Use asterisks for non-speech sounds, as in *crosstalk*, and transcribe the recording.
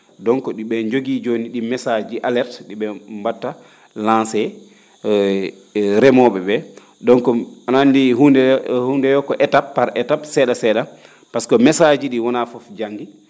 donc ?i ?e njogii jooni ?i message ji alerte ?i ?e mbatta lancé *hesitation* remoo?e ?ee ana anndi hunnde *hesitation* hunnde yoo ko étape par étape see?a see?a pasque message ji ?i wonaa fof janngi